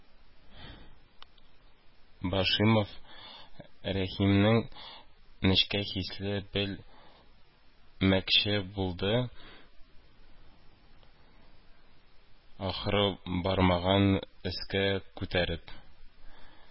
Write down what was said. Башимов Рәхимнең нечкә хисләрен бел мәкче булды, ахры, бармаган өскә күтәреп: